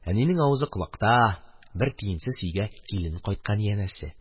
Әнинең авызы колакта, бер тиенсез өйгә килене кайткан, янәсе